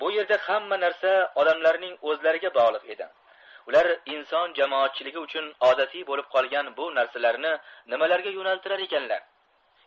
bu yerda hamma narsa odamlarning o'zlariga bog'liq edi ular inson jamoatchiligi uchun odatiy bo'lib qolgan bu narsalarni nimalarga yo'naltirar ekanlar